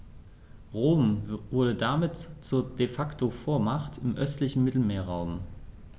Rom wurde damit zur ‚De-Facto-Vormacht‘ im östlichen Mittelmeerraum.